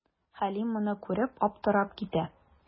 Хәлим моны күреп, аптырап китә.